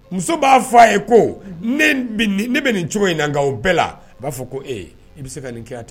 Muso b'a fɔ a ye ko ne bɛ nin cogo in na o bɛɛ la b'a fɔ ko e i bɛ se ka nin kɛ ten